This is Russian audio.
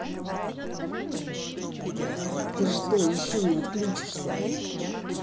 ты что еще отключишься